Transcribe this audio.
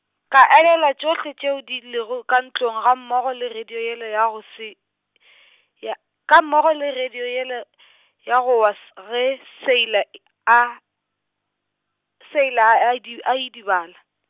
ka elelelwa tšohle tšeo di lego ka ntlong gammogo le radio yela go se , ya, gammogo le radio yela , ya go wa s-, ge Seila e- a, Seila a idi-, a idibala.